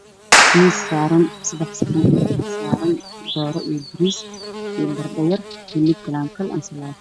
Miis saaran sadax saxan waxa saran doro io bariis io baradho yar hilib kalaan ansalo